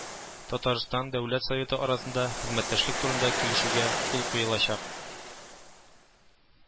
Татарстан Дәүләт Советы арасында хезмәттәшлек турында килешүгә кул куелачак